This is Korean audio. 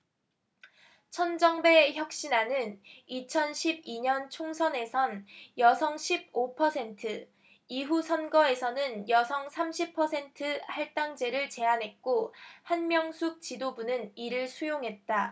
천정배 혁신안은 이천 십 이 년 총선에선 여성 십 오 퍼센트 이후 선거에서는 여성 삼십 퍼센트 할당제를 제안했고 한명숙 지도부는 이를 수용했다